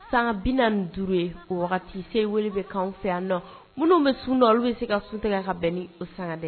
San bina nin duuru o wagati se weele bɛ kan fɛ yan minnu bɛ sun don olu bɛ se ka sun tigɛ ka bɛn ni o san dɛ